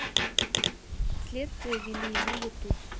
следствие вели на ютуб